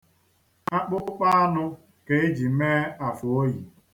Akpụkpọ anụ ka e ji mee afe o yi.